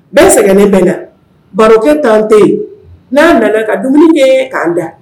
Bɛɛ sɛgɛn ne bɛ la barokɛ tante yen n'aan nana ka dumuni kɛ k'an da